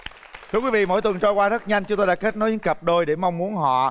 thưa quý vị mỗi tuần trôi qua rất nhanh chúng tôi lại kết nối những cặp đôi để mong muốn họ